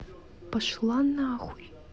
пошла нахуй